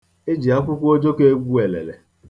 E ji akwụkwọ ojoko egwu elele.